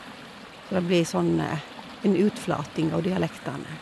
Så det blir sånn en utflating av dialektene.